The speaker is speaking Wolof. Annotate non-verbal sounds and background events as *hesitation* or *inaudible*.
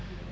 *hesitation*